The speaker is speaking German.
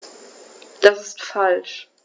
Das ist falsch.